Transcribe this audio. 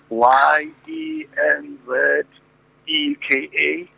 Y E N Z, E K A.